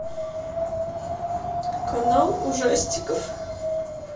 канал ужастиков